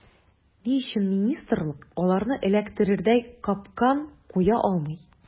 Ни өчен министрлык аларны эләктерердәй “капкан” куя алмый.